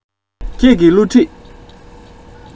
ཁྱེད ཀྱི བསླུ བྲིད